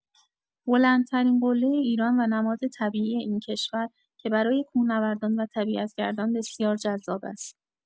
بلندترین قله ایران و نماد طبیعی این کشور که برای کوهنوردان و طبیعت‌گردان بسیار جذاب است.